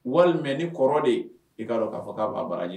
Walima ni kɔrɔ de i kaa dɔn k'a fɔ k'a' bara